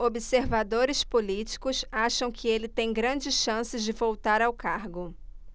observadores políticos acham que ele tem grandes chances de voltar ao cargo